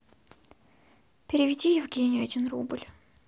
переведи евгению один рубль